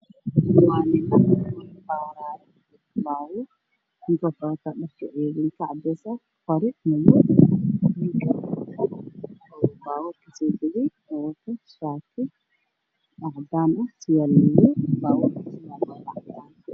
Meshaan waxaa taagan mooto waxaa saaran labo will oo walala ah